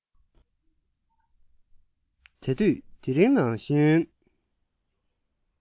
དེ དུས དེ རིང ནང བཞིན